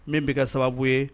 Min bɛ ka sababu ye